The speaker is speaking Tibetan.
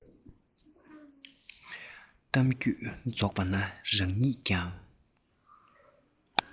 གཏམ རྒྱུད རྫོགས པ ན རང ཉིད ཀྱང